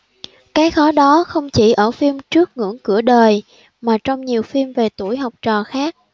cái khó đó không chỉ ở phim trước ngưỡng cửa đời mà trong nhiều phim về tuổi học trò khác